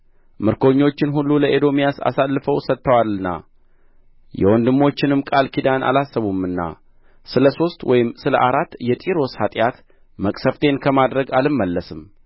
ምርኮኞችን ሁሉ ለኤዶምያስ አሳልፈው ሰጥተዋልና የወንድሞችንም ቃል ኪዳን አላሰቡምና ስለ ሦስት ወይም ስለ አራት የጢሮስ ኃጢአት መቅሠፍቴን ከማድረግ አልመለስም